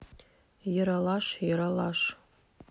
ералаш ералаш